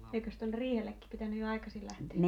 eikös tuonne riihellekin pitänyt jo aikaisin lähteä